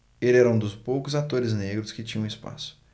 ele era um dos poucos atores negros que tinham espaço